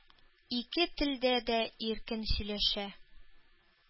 Ике телдә дә иркен сөйләшә.